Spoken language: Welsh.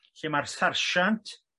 lle mae'r sarsiant